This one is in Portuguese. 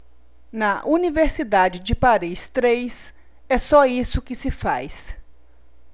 na universidade de paris três é só isso que se faz